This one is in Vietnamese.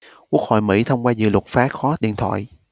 quốc hội mỹ thông qua dự luật phá khóa điện thoại